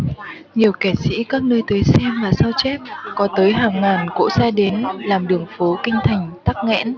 nhiều kẻ sĩ các nơi tới xem và sao chép có tới hàng ngàn cỗ xe đến làm đường phố kinh thành tắc nghẽn